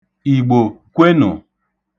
Igbo, kwenụ!